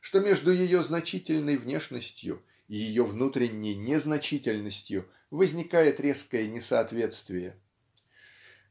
что между ее значительной внешностью и ее внутренней незначительностью возникает резкое несоответствие.